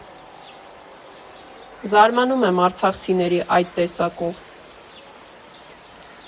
Զարմանում եմ արցախցիների այդ տեսակով։